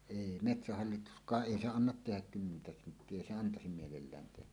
ei metsähallituskaan ei se anna tehdä kymmentä senttiä ei se antaa mielellään tehdä